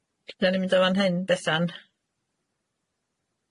Lle da ni'n mynd o fan hyn Bethan?